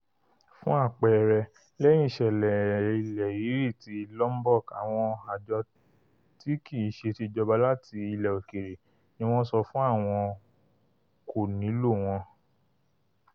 Fún àpẹẹrẹ, lẹ́yìn ìṣẹ̀lẹ̀ ilẹ̀ rírí tí Lombok, àwọn àjọ tí kìí ṣe ti ìjọba láti ilẹ̀ òkèèrè ni wọ́n sọ fún àwọn kò nílò wọn.